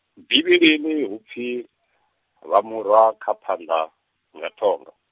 Bivhilini hu pfi, vha mu rwa kha phanḓa, nga thonga.